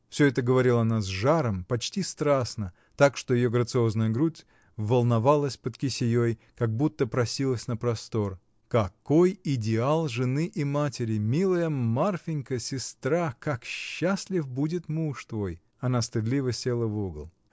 Всё это говорила она с жаром, почти страстно, так что ее грациозная грудь волновалась под кисеей, как будто просилась на простор. — Какой идеал жены и матери! Милая Марфинька — сестра! Как счастлив будет муж твой! Она стыдливо села в угол.